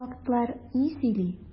Фактлар ни сөйли?